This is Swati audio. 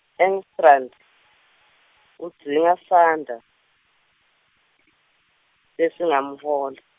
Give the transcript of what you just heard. Engstrand, udzinga sandla, lesingamhola.